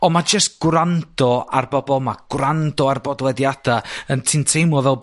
ond ma' jyst gwrando ar bobol. Ma' gwrando ar bodlediada yn ti'n teimlo fel